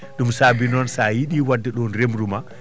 ɗum saabi noon sa yiiɗi wadde ɗon remru ma